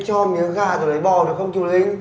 cho miếng gà rồi lấy bò được không thùy linh